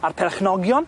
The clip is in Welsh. A'r perchnogion?